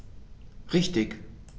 Richtig